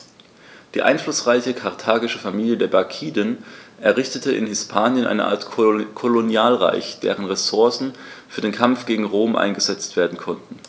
Die einflussreiche karthagische Familie der Barkiden errichtete in Hispanien eine Art Kolonialreich, dessen Ressourcen für den Kampf gegen Rom eingesetzt werden konnten.